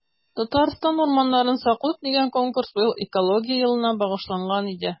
“татарстан урманнарын саклыйк!” дигән конкурс быел экология елына багышланган иде.